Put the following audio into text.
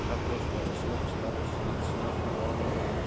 kartoshka ishlab chiqarish yetishmasligi omilidir